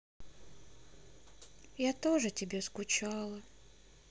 я тоже тебе скучала